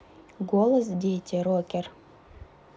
голос дети рокер